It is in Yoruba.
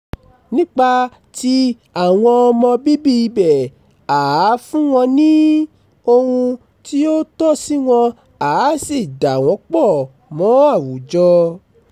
Nípa ti àwọn ọmọ bíbí ibẹ̀, à á fún wọn ní ohun tí ó tọ́ sí wọn, à á sì dà wọ́n pọ̀ mọ́ àwùjọ.